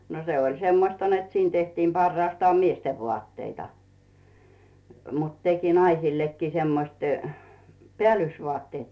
no se oli semmoista että siinä tehtiin parhaastaan miesten vaatteita mutta teki naisillekin semmoisia päällysvaatteet